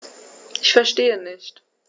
Ich verstehe nicht.